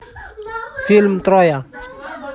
фильм троя